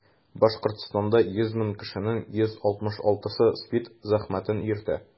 Башкортстанда 100 мең кешенең 166-сы СПИД зәхмәтен йөртә.